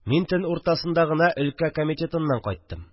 Мин төн уртасында гына Өлкә комитетыннан кайттым